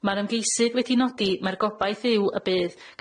Ma'r ymgeisydd wedi nodi mai'r gobaith yw y bydd